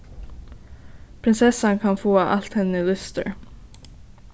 prinsessan kann fáa alt henni lystir